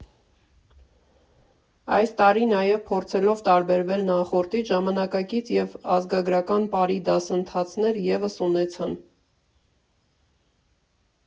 Այս տարի նաև, փորձելով տարբերվել նախորդից, ժամանակակից և ազգագրական պարի դասընթացներ ևս ունեցան։